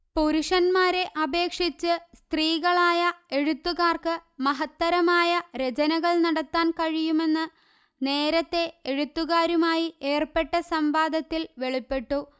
പുരുഷന്മാരെ അപേക്ഷിച്ച് സ്ത്രീകളായ എഴുത്തുകാർക്ക് മഹത്തരമായ രചനകൾ നടത്താൻകഴിയുമെന്ന് നേരത്തേ എഴുത്തുകാരുമായി ഏർപ്പെട്ട സംവാദത്തിൽ വെളിപ്പെട്ടു